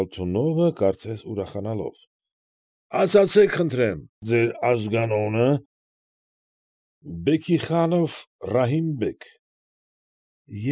Ալթունովը, կարծես ուրախանալով,֊ ներեցեք, ձեր ազգանո՞ւնը։ ֊ Բերիխանով Ռահիմ֊բեգ։